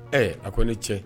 Ɛɛ a ko ne ce